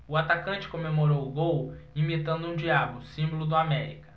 o atacante comemorou o gol imitando um diabo símbolo do américa